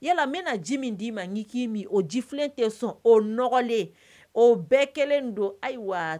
Yala n bɛ na ji min d'i ma n k'i min o jifilen tɛ sɔn o nɔgɔlen o bɛɛ kɛlen don ayiwa